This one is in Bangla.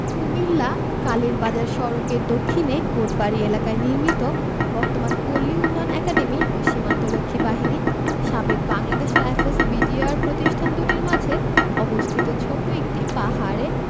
কুমিল্লা কালীরবাজার সড়কের দক্ষিণে কোটবাড়ি এলাকায় নির্মিত বর্তমান পল্লী উন্নয়ন অ্যাকাডেমি ও সীমান্ত রক্ষী বাহিনী সাবেক বাংলাদেশ রাইফেলস বি.ডি.আর প্রতিষ্ঠান দুটির মাঝে অবস্থিত ছোট একটি পাহাড়ে